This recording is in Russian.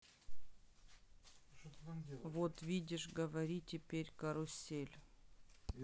вот видишь говори теперь карусель